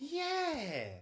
Ie!